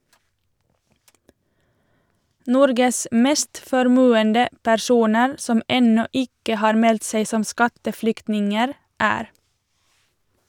Norges mest formuende personer, som ennå ikke har meldt seg som skatteflyktninger, er...